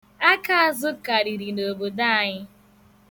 Akaazụ karịrị n'obodo anyị.